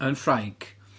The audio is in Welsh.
Yn Ffrainc...